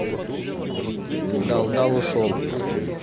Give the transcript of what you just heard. дал дал ушел